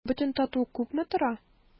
Бөтен тату күпме тора?